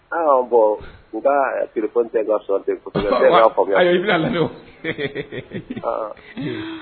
Bɔn u tɛ'a faamuya